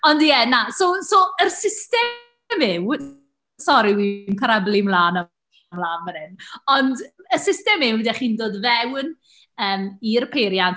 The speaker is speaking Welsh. Ond ie, na, so so yr system yw... Sori, 'wi'n parablu mlaen a mlaen fan hyn. Ond y system yw dach chi'n dod fewn yym i'r peiriant.